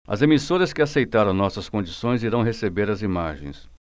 as emissoras que aceitaram nossas condições irão receber as imagens